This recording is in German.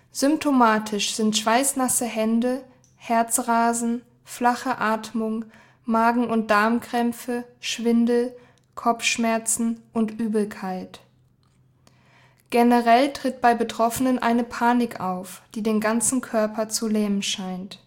Symptomatisch sind schweißnasse Hände, Herzrasen, flache Atmung, Magen - und Darmkrämpfe, Schwindel, Kopfschmerzen und Übelkeit. Generell tritt bei Betroffenen eine Panik auf, die den ganzen Körper zu lähmen scheint